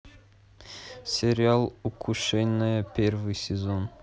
сериал укушенная первый сезон